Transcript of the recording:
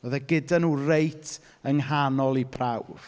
Oedd e gyda nhw reit yng nghanol eu prawf.